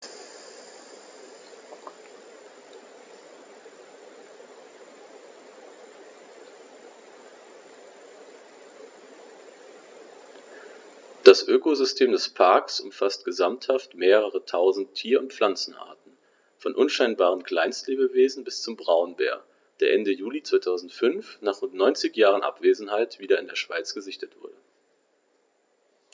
Das Ökosystem des Parks umfasst gesamthaft mehrere tausend Tier- und Pflanzenarten, von unscheinbaren Kleinstlebewesen bis zum Braunbär, der Ende Juli 2005, nach rund 90 Jahren Abwesenheit, wieder in der Schweiz gesichtet wurde.